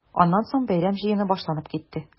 Аннан соң бәйрәм җыены башланып китте.